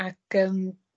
Ag yym.